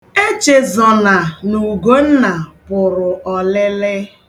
Echezona na Ugonna pụrụ ọlịlị.